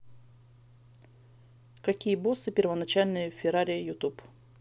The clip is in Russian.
какие боссы первоначальные в ферарии ютуб